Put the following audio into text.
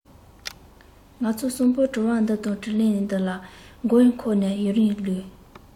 ང ཚོ གསུམ པོ དྲི བ འདི དང དྲིས ལན འདི ལ མགོ ཡུ འཁོར ནས ཡུན རིང ལུས